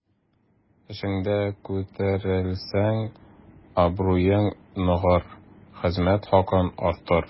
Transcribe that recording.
Эшеңдә күтәрелерсең, абруең ныгыр, хезмәт хакың артыр.